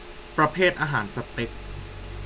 ประเภทอาหารเสต๊ก